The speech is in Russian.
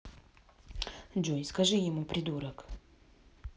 джой скажи ему придурок